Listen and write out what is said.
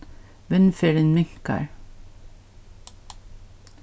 vindferðin minkar